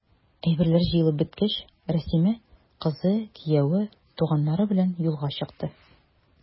Әйберләр җыелып беткәч, Рәсимә, кызы, кияве, туганнары белән юлга чыга.